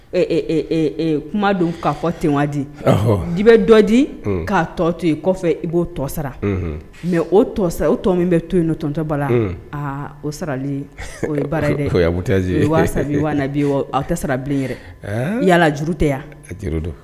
Ee kuma don'a fɔ ten waatidi di bɛ dɔ di k'a tɔ to yen kɔfɛ i b'o tɔ sara mɛ o tɔ o tɔ min bɛ to yen tɔontɔba la aa o sarali o ye baaraz wari bi aw tɛ sara bilen yɛrɛ yalalaj juru tɛ yan